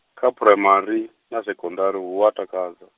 kha phuraimari, na sekondari hu a takadza.